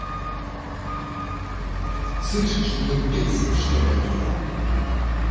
слышишь меня бесит что блядь ладно